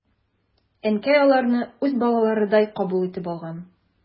Әнкәй аларны үз балаларыдай кабул итеп алган.